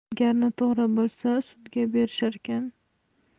agar noto'g'ri bo'lsa sudga berisharkan